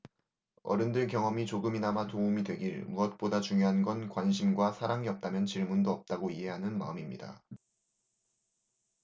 어른들 경험이 조금이나마 도움이 되길무엇보다 중요한 건 관심과 사랑이 없으면 질문도 없다고 이해하는 마음입니다